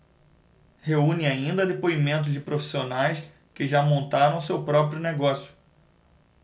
reúne ainda depoimentos de profissionais que já montaram seu próprio negócio